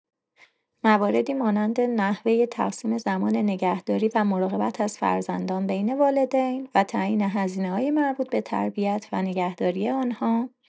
مواردی مانند نحوه تقسیم زمان نگهداری و مراقبت از فرزندان بین والدین و تعیین هزینه‌های مربوط به تربیت و نگهداری آن‌ها